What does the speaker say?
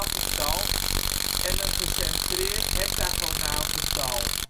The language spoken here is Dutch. getal en een gecentreerd heptagonaal getal